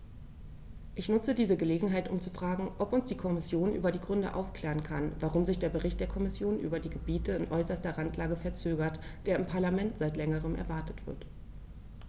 Ich nutze diese Gelegenheit, um zu fragen, ob uns die Kommission über die Gründe aufklären kann, warum sich der Bericht der Kommission über die Gebiete in äußerster Randlage verzögert, der im Parlament seit längerem erwartet wird.